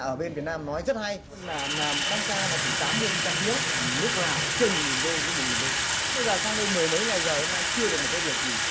ở bên việt nam nói rất hay nà nàm tăng ca là từ tám mươi đến một trăm tiếng nàm lúc nào cũng trên một nghìn đô với một nghìn đô bây giờ sang đây mười mấy ngày giời hôm nay chưa được một cái việc gì